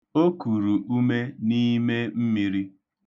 O kuru ume n'ime mmiri.